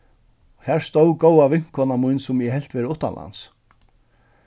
har stóð góða vinkona mín sum eg helt vera uttanlands